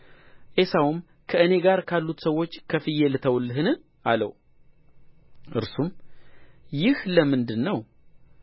ዔሳውም ከእኔ ጋር ካሉት ሰዎች ከፍዬ ልተውልህን አለ እርሱም ይህ ለምንድር ነው